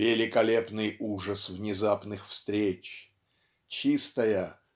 "великолепный ужас внезапных встреч" "чистая